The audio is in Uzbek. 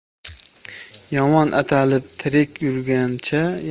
yomon atalib tirik yurguncha